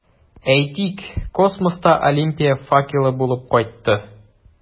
Әйтик, космоста Олимпия факелы булып кайтты.